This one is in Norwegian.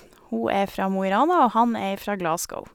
Hun er fra Mo i Rana, og han er ifra Glasgow.